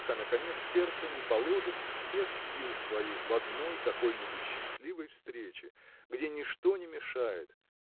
пока наконец сердце не положит всех сил своих в одной какой-нибудь счастливой встрече где ничто не мешает